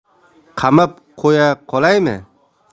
qamab qo'ya qolaymi